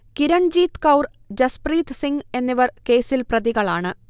കിരൺജീത് കൗർ, ജസ്പ്രീത് സിങ് എന്നിവർ കേസിൽ പ്രതികളാണ്